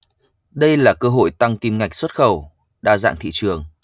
đây là cơ hội tăng kim ngạch xuất khẩu đa dạng thị trường